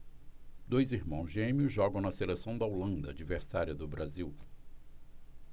dois irmãos gêmeos jogam na seleção da holanda adversária do brasil